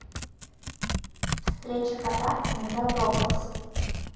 встреча кота иногда в roblox